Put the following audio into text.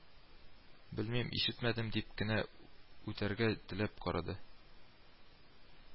Белмим, ишетмәдем дип кенә үтәргә теләп карады